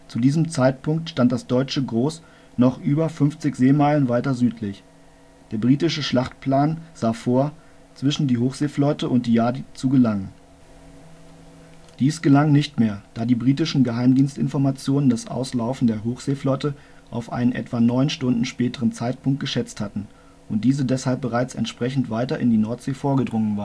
diesem Zeitpunkt stand das deutsche Gros noch über 50 sm weiter südlich. Der britische Schlachtplan sah vor, zwischen die Hochseeflotte und die Jade zu gelangen. Dies gelang nicht mehr, da die britischen Geheimdienstinformationen das Auslaufen der Hochseeflotte auf einen etwa neun Stunden späteren Zeitpunkt geschätzt hatten und diese deshalb bereits entsprechend weiter in die Nordsee vorgedrungen